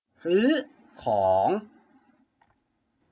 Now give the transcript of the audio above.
ซื้อของ